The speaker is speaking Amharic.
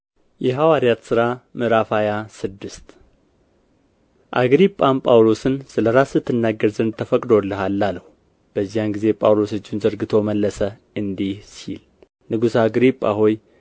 የሐዋርያት ሥራ ምዕራፍ ሃያ ስድስት አግሪጳም ጳውሎስን ስለ ራስህ ትናገር ዘንድ ተፈቅዶልሃል አለው በዚያን ጊዜ ጳውሎስ እጁን ዘርግቶ መለሰ እንዲህ ሲል ንጉሥ አግሪጳ ሆይ